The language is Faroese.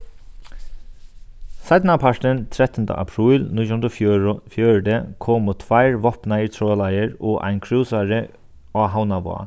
seinnapartin trettanda apríl nítjan hundrað og fjøruti komu tveir vápnaðir trolaðir og ein á havnarvág